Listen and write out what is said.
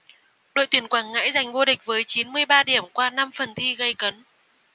đội tuyển quảng ngãi giành vô địch với chín mươi ba điểm qua năm phần thi gây cấn